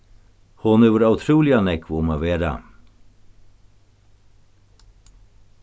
hon hevur ótrúliga nógv um at vera